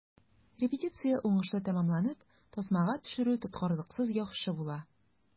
Репетиция уңышлы тәмамланып, тасмага төшерү тоткарлыксыз яхшы була.